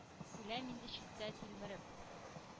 Үләм инде читтә тилмереп.